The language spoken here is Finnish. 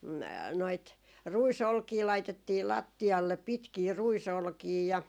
noita ruisolkia laitettiin lattialle pitkiä ruisolkia ja